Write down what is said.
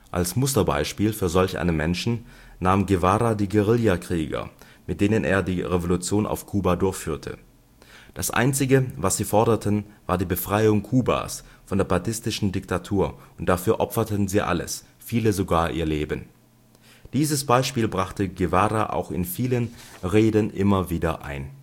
Als Musterbeispiel für solch einen Menschen nahm Guevara die Guerillakrieger, mit denen er die Revolution auf Kuba durchführte. Das Einzige, was sie forderten, war die Befreiung Kubas von der batistischen Diktatur und dafür opferten sie alles, viele sogar ihr Leben. Dieses Beispiel brachte Guevara auch in vielen Reden immer wieder ein